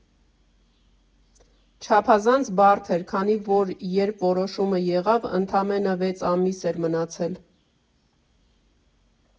Չափազանց բարդ էր, քանի որ երբ որոշումը եղավ, ընդամենը վեց ամիս էր մնացել։